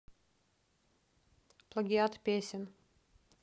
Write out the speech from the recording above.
плагиат песен